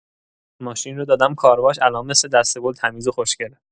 ماشین رو دادم کارواش، الان مثل دسته‌گل تمیز و خوشگله.